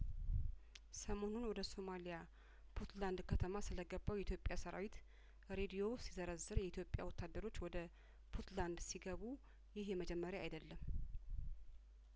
ሰሞኑን ወደ ሱማሊያ ፑንትላንድ ከተማ ስለገባው የኢትዮጵያ ሰራዊት ሬዲዮው ሲዘረዝር የኢትዮጵያ ወታደሮች ወደ ፑንትላንድ ሲገቡ ይህ የመጀመሪያ አይደለም